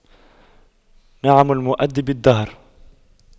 نعم المؤَدِّبُ الدهر